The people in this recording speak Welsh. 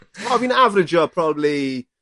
O fi'n afrijo probly